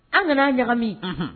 An nan'a ɲagamin unhun